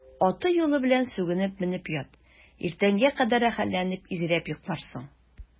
Аты-юлы белән сүгенеп менеп ят, иртәнгә кадәр рәхәтләнеп изрәп йокларсың.